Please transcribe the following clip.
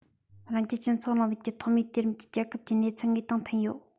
རང རྒྱལ སྤྱི ཚོགས རིང ལུགས ཀྱི ཐོག མའི དུས རིམ གྱི རྒྱལ ཁབ ཀྱི གནས ཚུལ དངོས དང མཐུན ཡོད